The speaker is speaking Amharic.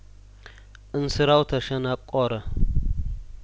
እንስራው ተሸነቆረ